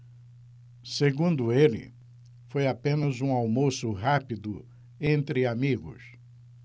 segundo ele foi apenas um almoço rápido entre amigos